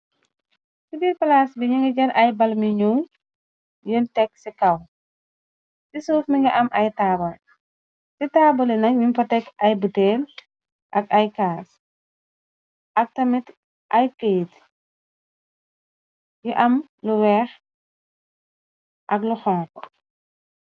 Si birr palass bi nyungi jeel ay bang yu nuul nyu tek si kaw si suuf mogi am ay tabul si tabuli nak nyung fa tek ay botale ak ay cass ak tamit ay keyt yu am lu weex ak lu xonxu.